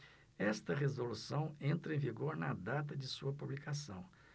esta resolução entra em vigor na data de sua publicação